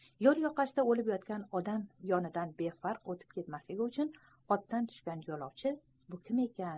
yo'l yoqasida o'lib yotgan odam yonidan befarq o'tib ketmasligi uchun otdan tushgan yo'lovchi bu kim ekan